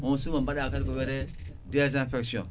on suma mbaɗa kadi ko wiyete désinfection